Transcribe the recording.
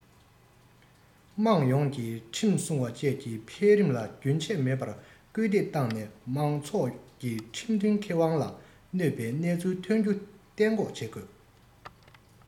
དམངས ཡོངས ཀྱིས ཁྲིམས སྲུང བ བཅས ཀྱི འཕེལ རིམ ལ རྒྱུན ཆད མེད པར སྐུལ འདེད བཏང ནས མང ཚོགས ཀྱི ཁྲིམས མཐུན ཁེ དབང ལ གནོད པའི གནས ཚུལ ཐོན རྒྱུ གཏན འགོག བྱེད དགོས